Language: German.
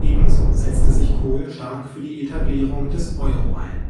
Ebenso setzte sich Kohl stark für die Etablierung des Euro ein.